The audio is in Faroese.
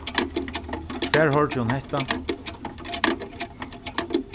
hvar hoyrdi hon hetta